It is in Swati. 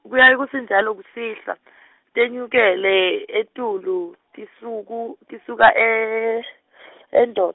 kuyaye kutsi njalo kusihlwa , tenyukele, etulu , tisuku-, tisuka e- eNdo-.